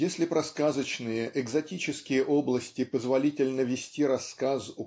Если про сказочные экзотические области позволительно вести рассказ